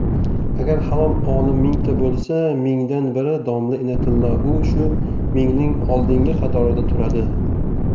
agar halol olim mingta bo'lsa mingdan biri domla inoyatullo u shu mingning oldingi qatorida turadi